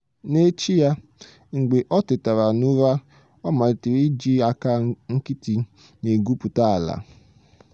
N'echi ya, mgbe o tetara n'ụra, ọ malitere iji aka nkịtị na-egwupụta ala.